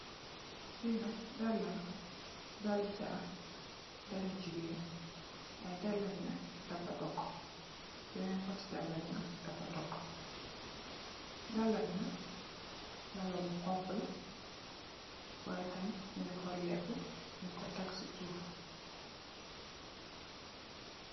Li nak dalla la dalli carax dàlli jigeen, way dalla bi nak dafa dok, benen pati dalla bi dafa dok, dalla bi nak dalla bu xonxu la mugii xolleku ñing ko tèk ci suuf.